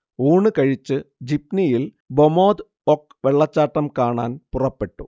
ഊണ് കഴിച്ച് ജീപ്നിയിൽ ബൊമൊദ്-ഒക് വെള്ളച്ചാട്ടം കാണാൻ പുറപ്പെട്ടു